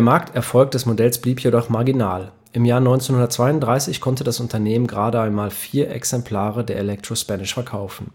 Markterfolg des Modells blieb jedoch marginal: Im Jahr 1932 konnte das Unternehmen gerade einmal vier Exemplare der Electro Spanish verkaufen.